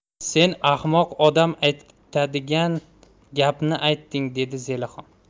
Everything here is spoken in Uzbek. sen ahmoq odam aytadigan gapni aytding dedi zelixon